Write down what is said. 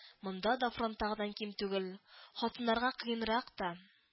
Монда да фронттагыдан ким түгел, хатыннарга кыенрак та